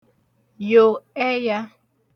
yo ẹyā